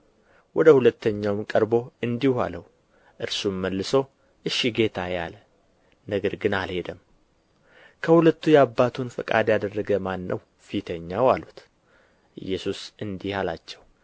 ወደ ሁለተኛውም ቀርቦ እንዲሁ አለው እርሱም መልሶ እሺ ጌታዬ አለ ነገር ግን አልሄደም ከሁለቱ የአባቱን ፈቃድ ያደረገ ማን ነው ፊተኛው አሉት ኢየሱስ እንዲህ አላቸው